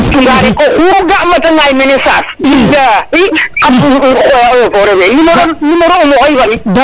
kam cunga rek oxu ga ma te ŋaay mene sas bilahi xam xoyo eaux et foret fe numero um oxey fo mi